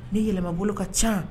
Ne yɛlɛmabolo ka ca